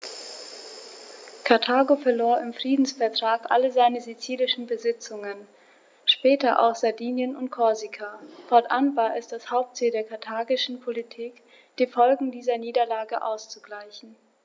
Karthago verlor im Friedensvertrag alle seine sizilischen Besitzungen (später auch Sardinien und Korsika); fortan war es das Hauptziel der karthagischen Politik, die Folgen dieser Niederlage auszugleichen.